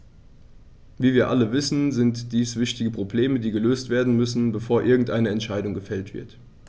Wie wir alle wissen, sind dies wichtige Probleme, die gelöst werden müssen, bevor irgendeine Entscheidung gefällt wird.